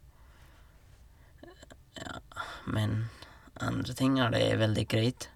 Ja, men andre ting er det veldig greit.